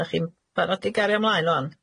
Dach chi'n barod i gario mlaen ŵan?